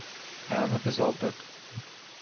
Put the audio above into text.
Ә аны без алдык